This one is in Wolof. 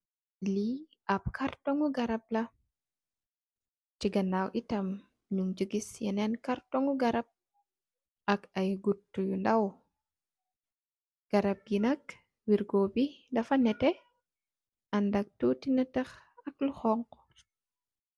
Li ap cartoon gi garab la si ganaw ai tam nyun giss si yenen cartoon gi garab ak ay gotu yu ndaw garabi nak wergo bi dafa netex andak tuti neeteh ak lu xonxa.